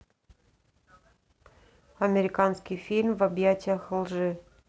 американский фильм в объятиях лжи